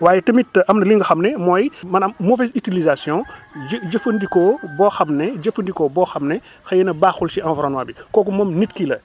waaye tamit am na li nga xam ne mooy maanaam mauvaise utilisation jë jëfandikoo boo xam ne jëfandikoo boo xam ne xëy na baaxul si environnement bi kooku moom nit ki la